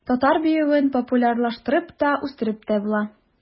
Татар биюен популярлаштырып та, үстереп тә була.